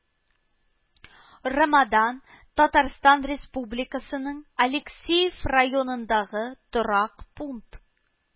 Ромодан Татарстан Республикасының Алексеевк районындагы торак пункт